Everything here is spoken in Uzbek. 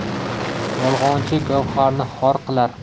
yolg'onchi gavharni xor qilar